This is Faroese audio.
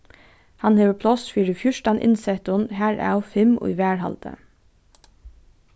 hann hevur pláss fyri fjúrtan innsettum harav fimm í varðhaldi